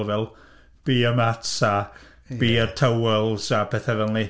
fel beer mats a... ie. ...beer towels a pethau fel 'ny.